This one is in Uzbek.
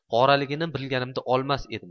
poraligini bilganimda olmas edim